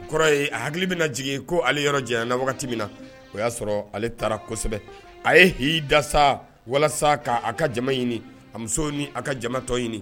Kɔrɔ ye a hakili bɛna na jigin ko ale yɔrɔ jaɲana wagati min na o y'a sɔrɔ ale taara kosɛbɛ a ye hi da sa walasa kaa a ka jama ɲini a musow nii a ka jama tɔ ɲini